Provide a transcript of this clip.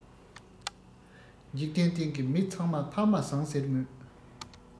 འཇིག རྟེན སྟེང གི མི ཚང མ ཕ མ བཟང ཟེར མོད